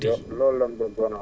mën na am boo demee Diourbel